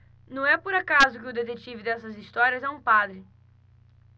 não é por acaso que o detetive dessas histórias é um padre